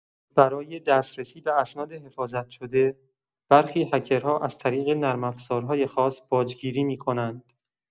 برای دسترسی به اسناد حفاظت شده، برخی هکرها از طریق نرم‌افزارهای خاص باج‌گیری می‌کنند.